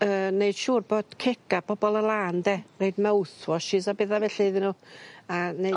yy neud siŵr bod cega' bobol yn lan 'de roid mouth washes a betha felly iddyn n'w. A neu'...